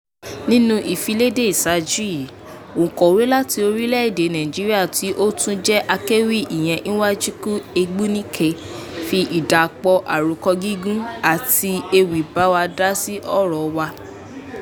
Nínú ìfiléde ìṣààjú yìí, òǹkọ̀wé láti orílẹ̀-èdè Nigeria tí ó tún jẹ́ akẹwì ìyẹn Nwachukwu Egbunike fi ìdàpọ̀ àròkọ-gígùn àti ewì bá wa dá sí ọ̀rọ̀ wa.